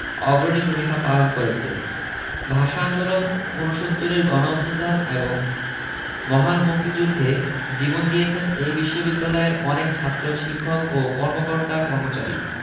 অগ্রণী ভূমিকা পালন করেছে ভাষা আন্দোলন উনসত্তুরের গণঅভ্যুত্থান এবং মহান মুক্তিযুদ্ধে জীবন দিয়েছেন এ বিশ্ববিদ্যালয়ের অনেক ছাত্র শিক্ষক ও কর্মকর্তা কর্মচারী